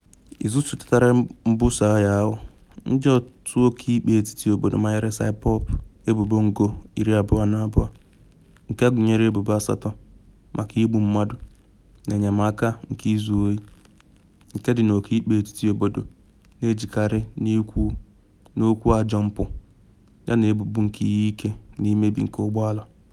Izu sotechara mbuso agha ahụ, ndị otu ikpe etiti obodo manyere Saipov ebubo ngụ-22 nke gụnyere ebubo asatọ maka igbu mmadụ n’enyemaka nke izu oyi, nke ndị ọkaikpe etiti obodo na ejikarị n’okwu ajọ mpu, yana ebubo nke ihe ike na mmebi nke ụgbọ ala.